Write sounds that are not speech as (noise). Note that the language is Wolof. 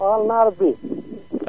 waaw Naar bi (noise)